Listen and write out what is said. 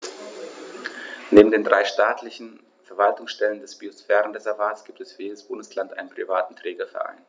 Neben den drei staatlichen Verwaltungsstellen des Biosphärenreservates gibt es für jedes Bundesland einen privaten Trägerverein.